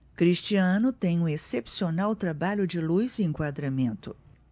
cristiano tem um excepcional trabalho de luz e enquadramento